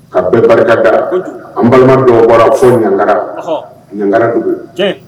Ka bɛɛ barika da an balima dɔw bɔra fo ɲaga ɲga dugu